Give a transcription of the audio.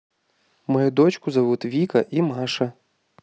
мою дочку зовут вика и маша